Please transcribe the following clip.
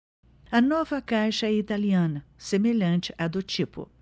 a nova caixa é italiana semelhante à do tipo